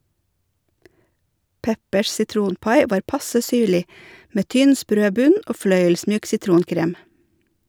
Peppers sitronpai var passe syrlig, med tynn, sprø bunn og fløyelsmyk sitronkrem.